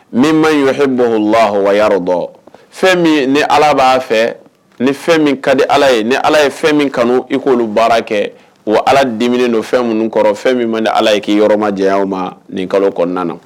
Min man yhibu lahu wa ardɔ fɛn min ni ala b'a fɛ ni fɛn min ka di ala ye ni ala ye fɛn minnu kanu i k'olu baara kɛ, wa ala diminen don fɛn minnu kɔrɔ fɛn min man di ala ye k'i yɔrɔ ma janya k'a bɔ o fɛnw ma nin kalo barikama in na.